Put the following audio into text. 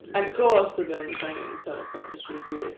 A ghost ydi o yn The Shining ta fatha jyst ryw weird